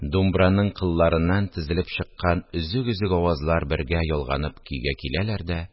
Думбраның кылларыннан тезелеп чыккан өзек-өзек авазлар бергә ялганып көйгә киләләр дә